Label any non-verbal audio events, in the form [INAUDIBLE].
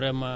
[HESITATION] [HESITATION]